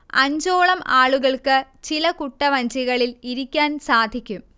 അഞ്ചോളം ആളുകൾക്ക് ചില കുട്ടവഞ്ചികളിൽ ഇരിക്കാൻ സാധിക്കും